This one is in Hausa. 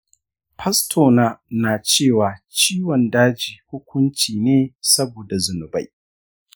fastona na cewa ciwon daji hukunci ne saboda zunubai.